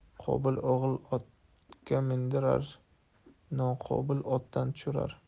qobil o'g'il otga mindirar noqobil otdan tushirar